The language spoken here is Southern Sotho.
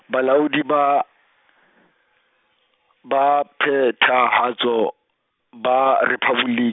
Bolaodi ba, ba Phethahatso, ba Rephaboli-.